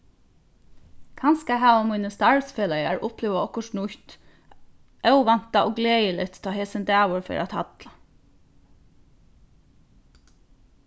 kanska hava mínir starvsfelagar upplivað okkurt nýtt óvæntað og gleðiligt tá hesin dagur fer at halla